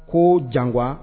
Ko jan gun wa